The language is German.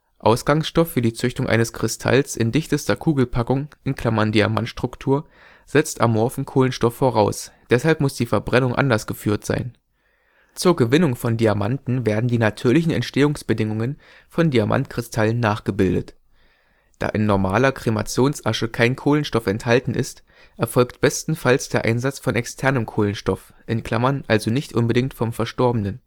Ausgangsstoff für die Züchtung eines Kristalls in dichtester Kugelpackung (Diamantstruktur) setzt amorphen Kohlenstoff voraus, deshalb muss die Verbrennung anders geführt sein. Zur Gewinnung von Diamanten werden die natürlichen Entstehungsbedingungen von Diamantkristallen nachgebildet. Da in „ normaler “Kremationsasche kein Kohlenstoff enthalten ist, erfolgt bestenfalls der Einsatz von externem Kohlenstoff (also nicht unbedingt vom Verstorbenen